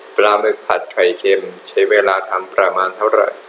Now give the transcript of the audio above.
ปลาหมึกผัดไข่เค็มใช้เวลาทำประมาณเท่าไหร่